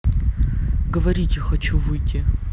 говорите хочу выйти